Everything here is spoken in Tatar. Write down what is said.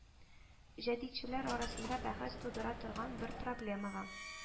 Җәдитчеләр арасында бәхәс тудыра торган бер проблемага